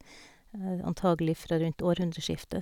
Antagelig fra rundt århundreskiftet.